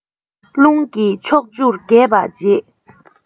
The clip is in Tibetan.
རླུང གིས ཕྱོགས བཅུར རྒྱས པར བྱེད